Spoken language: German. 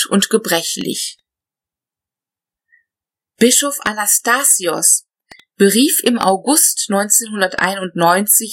gebrechlich. Bischof Anastasios berief im